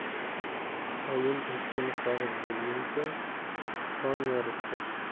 oyim echkini sog'ib bo'lguncha tong yorishdi